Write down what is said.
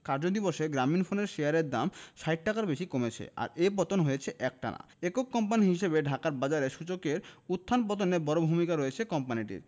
কার্যদিবসে গ্রামীণফোনের শেয়ারের দাম ৬০ টাকার বেশি কমেছে আর এ পতন হয়েছে একটানা একক কোম্পানি হিসেবে ঢাকার বাজারে সূচকের উত্থান পতনে বড় ভূমিকা রয়েছে কোম্পানিটির